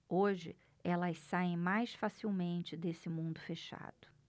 hoje elas saem mais facilmente desse mundo fechado